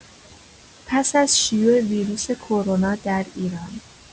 پس از شیوع ویروس کرونا در ایران